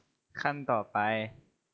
ขั้นต่อไป